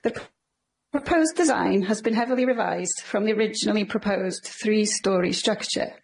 The p- proposed design has been heavily revised from the originally proposed three storey structure.